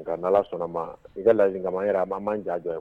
Nka n' allah sɔnna'ma i ka layani kama an yɛrɛ an b'an ja jɔ.